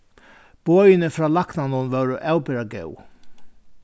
boðini frá læknanum vóru avbera góð